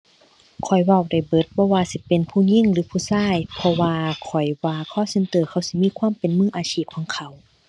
ข้อยเว้าได้เบิด บ่ว่าสิเป็นผู้หญิงหรือผู้ชาย เพราะว่าข้อยว่า call center เขาสิมีความเป็นมืออาชีพของเขา